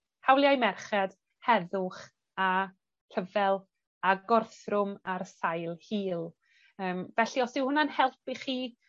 hawliau merched, heddwch, a rhyfel, a gorthrwm ar sail hil. Yym felly os dyw hwnna'n helpu chi